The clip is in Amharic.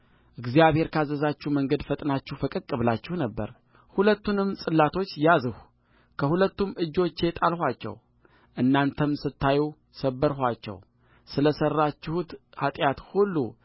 እግዚአብሔር ካዘዛችሁ መንገድ ፈጥናችሁ ፈቀቅ ብላችሁ ነበርሁለቱንም ጽላቶች ያዝሁ ከሁለቱም እጆቼ ጣልኋቸው እናንተም ስታዩ ሰበርኋቸውስለ ሠራችሁት ኃጢአት ሁሉ